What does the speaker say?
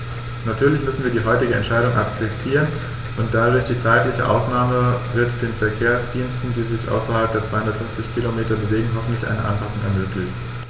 Natürlich müssen wir die heutige Entscheidung akzeptieren, und durch die zeitliche Ausnahme wird den Verkehrsdiensten, die sich außerhalb der 250 Kilometer bewegen, hoffentlich eine Anpassung ermöglicht.